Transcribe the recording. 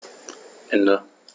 Ende.